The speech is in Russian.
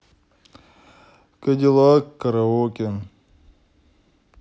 кадиллак караоке